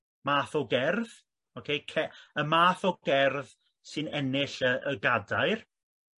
math o gerdd ok ce- y math o gerdd sy'n ennill y y gadair